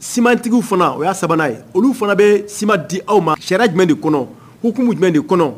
Simantigiw fana o y'a sabanan ye olu fana bɛ sima di aw ma sariya jumɛn de kɔnɔ hukumu jumɛn de kɔnɔ